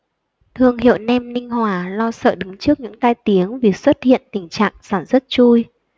thương hiệu nem ninh hòa lo sợ đứng trước những tai tiếng vì xuất hiện tình trạng sản xuất chui